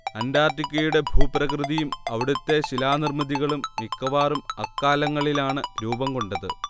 അന്റാർട്ടിക്കയുടെ ഭൂപ്രകൃതിയും അവിടുത്തെ ശിലാനിർമ്മിതികളും മിക്കവാറും അക്കാലങ്ങളിലാണ് രൂപം കൊണ്ടത്